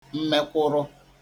mmekwụrụ